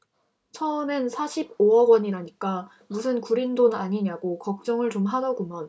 처음엔 사십 오 억원이라니까 무슨 구린 돈 아니냐고 걱정을 좀 하더구먼